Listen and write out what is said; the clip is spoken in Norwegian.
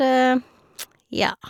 Ja.